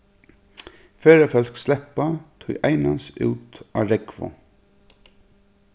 ferðafólk sleppa tí einans út á rógvu